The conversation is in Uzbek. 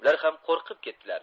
ular ham qo'rqib ketdilar